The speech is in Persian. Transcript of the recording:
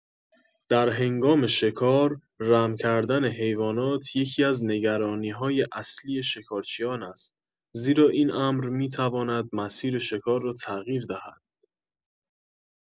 در هنگام شکار، رم کردن حیوانات یکی‌از نگرانی‌های اصلی شکارچیان است، زیرا این امر می‌تواند مسیر شکار را تغییر دهد.